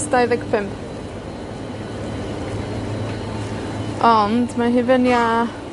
dau ddeg pump. Ond mae hufen iâ